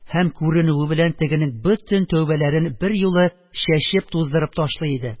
Һәм күренүе белән тегенең бөтен тәүбәләрен берьюлы чәчеп-туздырып ташлый иде